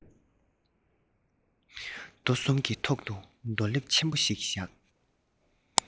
རྡོ གསུམ གྱི ཐོག ཏུ རྡོ ལེབ ཆེན པོ ཞིག བཞག